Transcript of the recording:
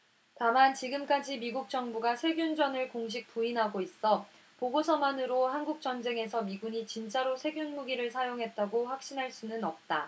다만 지금까지 미국 정부가 세균전을 공식 부인하고 있어 보고서만으로 한국전쟁에서 미군이 진짜로 세균무기를 사용했다고 확신할 수는 없다